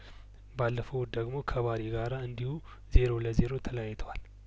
ባለፈው እሁድ ደግሞ ከባሪ ጋር እንዲሁ ዜሮ ዜሮ ተለያይተዋል